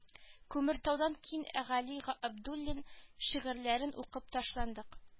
Күмертаудан кин әгали абдуллин шигырьләрен укып шатландык